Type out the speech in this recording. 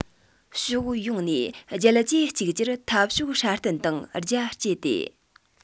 ཕྱོགས ཡོངས ནས རྒྱལ གཅེས གཅིག གྱུར འཐབ ཕྱོགས སྲ བརྟན དང རྒྱ བསྐྱེད དེ